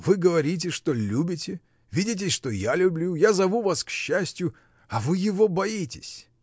— Вы говорите, что любите, видите, что я люблю, я зову вас к счастью, а вы его боитесь.